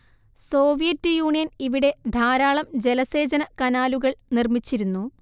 Soviet Union ഇവിടെ ധാരാളം ജലസേചന കനാലുകൾ നിർമ്മിച്ചിരുന്നു